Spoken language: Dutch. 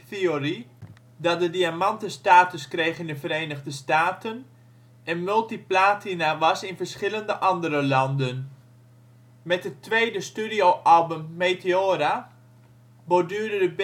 Theory, dat de diamanten status kreeg in de Verenigde Staten en multiplatina was in verschillende andere landen. Met het tweede studioalbum Meteora borduurde